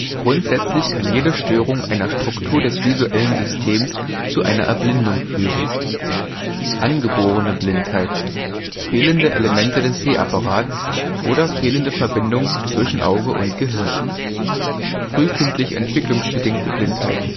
Grundsätzlich kann jede Störung einer Struktur des visuellen Systems zu einer Erblindung führen. angeborene Blindheit fehlende Elemente des Sehapparates fehlende Verbindung zwischen Auge und Gehirn frühkindlich entwicklungsbedingte Blindheit